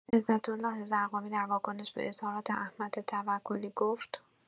عزت‌الله ضرغامی در واکنش به اظهارات احمد توکلی گفت: